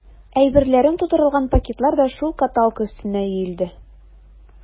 Әйберләрем тутырылган пакетлар да шул каталка өстенә өелде.